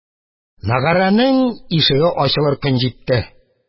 Мәгарәнең ишеге ачылыр көн җитте.